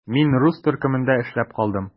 Мин рус төркемендә эшләп калдым.